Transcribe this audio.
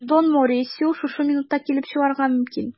Дон Морисио шушы минутта килеп чыгарга мөмкин.